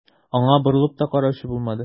Аңа борылып та караучы булмады.